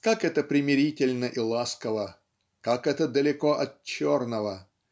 как это примирительно и ласково, как это далеко от черного!